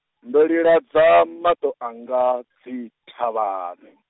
ndo liladza, maṱo anga, dzi thavhani.